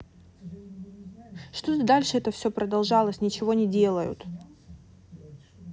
чтобы ты дальше это все продолжалось ничего не делают